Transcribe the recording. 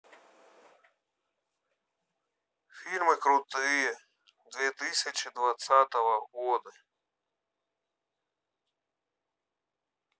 фильмы крутые две тысячи двадцатого года